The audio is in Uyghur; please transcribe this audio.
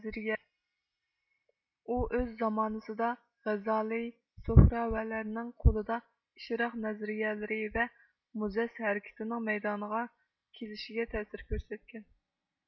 ئۇ ئۆز زامانىسىدا غەزالىي سۇھراۋەلەرنىڭ قولىدا ئىشراق نەزىرىيەلىرى ۋە موزەس ھەرىكىتىنىڭ مەيدانغا كىلىشىگە تەسىر كۆرسەتكەن